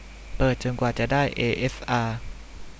เปิดจนกว่าจะได้เอเอสอา